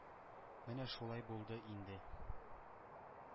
Менә шулай булды инде.